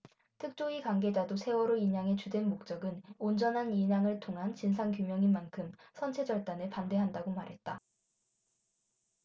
특조위 관계자도 세월호 인양의 주된 목적은 온전한 인양을 통한 진상규명인 만큼 선체 절단에 반대한다고 말했다